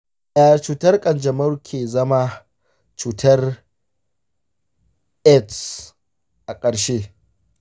yaya cutar kanjamau ke zama cutar aids a ƙarshe?